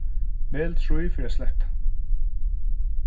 vel trý fyri at sletta